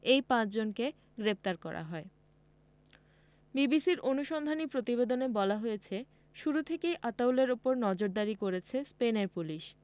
এই পাঁচজনকে গ্রেপ্তার করা হয় বিবিসির অনুসন্ধানী প্রতিবেদনে বলা হয়েছে শুরু থেকেই আতাউলের ওপর নজরদারি করেছে স্পেনের পুলিশ